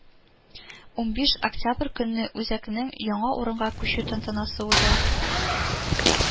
Унбиш октябрь көнне үзәкнең яңа урынга күчү тантанасы уза